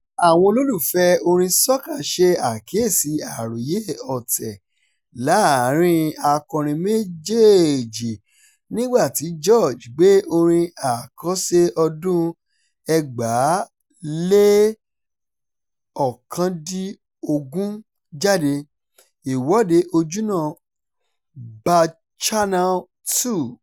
Àwọn olólùfẹ́ẹ orin Soca ṣe àkíyèsí àròyé ọ̀tẹ̀ láàárín-in akọrin méjèèjì nígbà tí George gbé orin àkọ́ṣe ọdún 2019 jáde, "Ìwọ́de Ojúná Bacchanal 2".